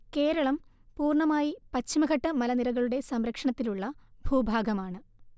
കേരളം പൂർണമായി പശ്ചിമഘട്ട മലനിരകളുടെ സംരക്ഷണത്തിലുള്ള ഭൂഭാഗമാണ്